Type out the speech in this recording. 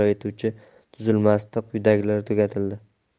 ijro etuvchi tuzilmasida quyidagilar tugatildi